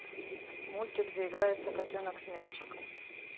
мультик где играется котенок с мячиком